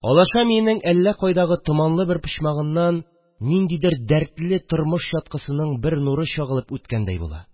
Алаша миенең әллә кайдагы томанлы бер почмагыннан ниндидер дәртле тормыш чаткысының бер нуры чагылып үткәндәй була